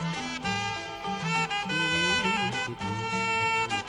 San